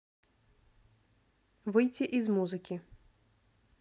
выйти из музыки